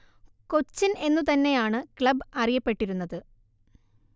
കൊച്ചിൻ എന്നു തന്നെയാണ് ക്ലബ് അറിയപ്പെട്ടിരുന്നത്